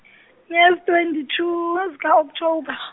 ngezi twenty two zika October.